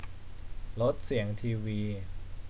ลดเสียงทีวี